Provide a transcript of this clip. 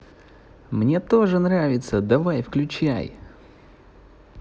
мне тоже нравится давай включай